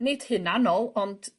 nid hunanol ond